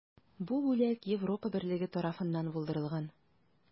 Бу бүләк Европа берлеге тарафыннан булдырылган.